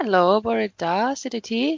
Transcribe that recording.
Helo, bore da, sut i ti?